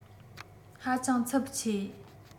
ཧ ཅང འཚུབ ཆེ